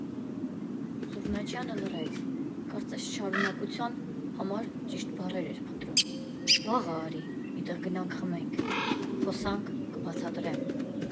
֊ Զուռնաչյանը լռեց, կարծես շարունակության համար ճիշտ բառեր էր փնտրում, ֊ վաղը արի մի տեղ գնանք խմենք, խոսանք՝ կբացատրեմ։